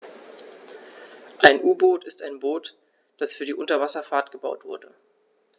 Ein U-Boot ist ein Boot, das für die Unterwasserfahrt gebaut wurde.